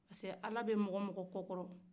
sabu ala bɛ mɔgɔ mɔgɔ kɔ kɔrɔ